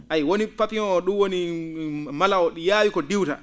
a yiyii woni papillon ?um woni mala oo ?i yaawi ko diwata